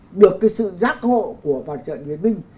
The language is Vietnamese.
được cái sự giác ngộ của mặt trận việt minh